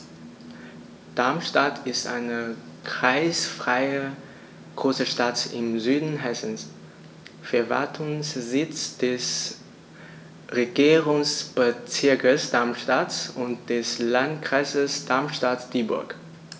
Darmstadt ist eine kreisfreie Großstadt im Süden Hessens, Verwaltungssitz des Regierungsbezirks Darmstadt und des Landkreises Darmstadt-Dieburg.